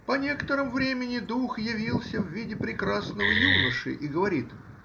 — По некотором времени дух явился в виде прекрасного юноши и говорит